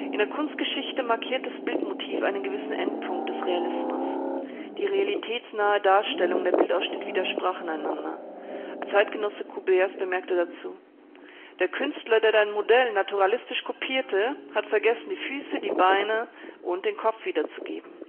der Kunstgeschichte markiert das Bildmotiv einen gewissen Endpunkt des Realismus: Die realitätsnahe Darstellung und der Bildausschnitt widersprachen einander. Ein Zeitgenosse Courbets bemerkte dazu: Der Künstler, der sein Modell naturalistisch kopierte, hat vergessen, die Füße, die Beine [...] und den Kopf wiederzugeben